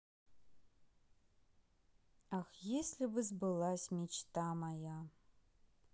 ах если бы сбылась мечта моя